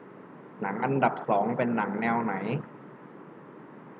หนังอันดับสองเป็นหนังแนวไหน